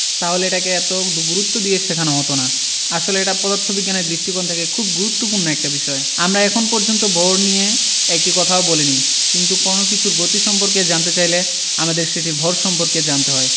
তাহলে এটাকে এত গুরুত্ব দিয়ে শেখানো হতো না আসলে এটা পদার্থবিজ্ঞানের দৃষ্টিকোণ থেকে খুব গুরুত্বপূর্ণ একটা বিষয় আমরা এখন পর্যন্ত ভর নিয়ে একটি কথাও বলিনি কিন্তু কোনো কিছুর গতি সম্পর্কে জানতে চাইলে আমাদের সেটির ভর সম্পর্কে জানতে হয়